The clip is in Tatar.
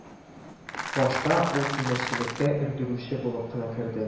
Башта ул тимерчелеккә өрдерүче булып кына керде